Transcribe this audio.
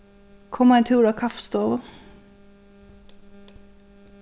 kom ein túr á kaffistovu